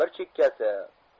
bir chekkasi